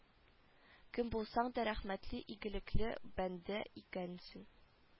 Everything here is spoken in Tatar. Кем булсаң да рәхмәтле игелекле бәндә икәнсең